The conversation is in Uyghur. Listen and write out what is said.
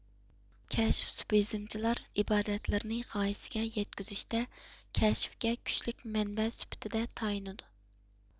كەشىف سۇپىزمچىلار ئىبادەتلىرىنى غايىسىگە يەتكۈزۈشتە كەشفكە كۈچلۈك مەنبە سۈپىتىدە تايىنىدۇ